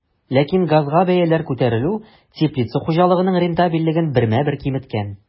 Ләкин газга бәяләр күтәрелү теплица хуҗалыгының рентабельлеген бермә-бер киметкән.